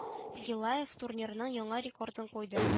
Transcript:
Гилаев турнирның яңа рекордын куйды